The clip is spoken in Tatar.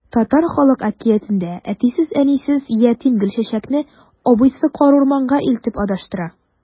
Татар халык әкиятендә әтисез-әнисез ятим Гөлчәчәкне абыйсы карурманга илтеп адаштыра.